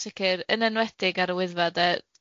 O yn sicir, yn enwedig ar y Wyddfa 'de